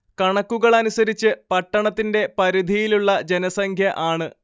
കണക്കുകളനുസരിച്ച് പട്ടണത്തിൻറെ പരിധിയിലുള്ള ജനസംഖ്യ ആണ്